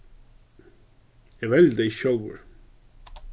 eg velji tey ikki sjálvur